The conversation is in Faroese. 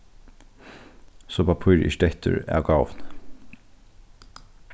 so pappírið ikki dettur av gávuni